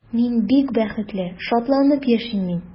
Мин бик бәхетле, шатланып яшим мин.